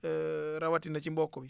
rawatina ci mboq mi